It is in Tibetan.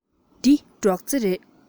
འདི སྒྲོག རྩེ རེད